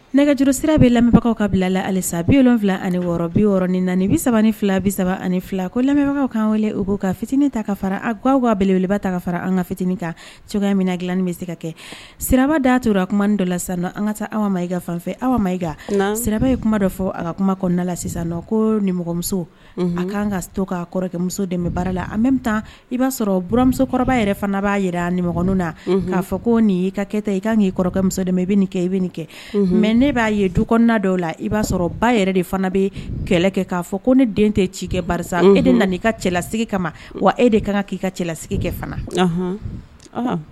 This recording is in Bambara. Nɛgɛjuru sira bɛ lamɛnbagaw ka bilala halisa bi wolonwula ani biɔrɔn ni bi saba ni fila bisa ani ko lamɛnbagaw kaan weele o ko ka fitinin ta ka fara ga kaaeleeleba ta fara an ka fitini kan cogoya min dilani bɛ se ka kɛ siraba d'tura dɔ la sa an ka taa aw ma i ka fanfɛ aw ma i siraba ye kuma dɔ fɔ a ka kuma kɔnɔna la sisan ko nimɔgɔmuso a kan ka to kamuso dɛmɛ baara la an bɛ taa i b'a sɔrɔmusokɔrɔba yɛrɛ fana b'a jira a nimɔgɔun na kaa fɔ ko nin i ka kɛ ta i ka kan k ii kɔrɔkɛmuso dɛmɛ i bɛ nin kɛ i bɛ nin kɛ mɛ ne b'a ye du kɔnɔna dɔw la i b'a sɔrɔ ba yɛrɛ de fana bɛ kɛlɛ kɛ'a fɔ ko ne den tɛ ci kɛ e de nana i ka cɛlasigi kama ma wa e de kan k'i ka cɛlasigi kɛ fana